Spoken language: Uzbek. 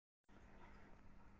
puli yo'q hamyon tikar